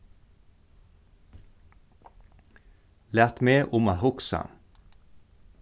lat meg um at hugsa